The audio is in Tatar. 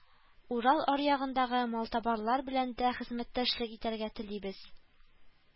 Урал аръягындагы малтабарлар белән дә хезмәттәшлек итәргә телибез